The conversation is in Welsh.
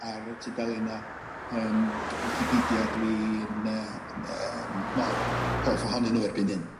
ar y tudalenna yym wicipedia dwi'n yy yym m- mor hoff ohonyn n'w erbyn hyn.